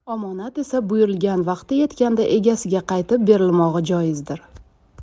omonat esa buyurilgan vaqti yetganda egasiga qaytib berilmog'i joizdir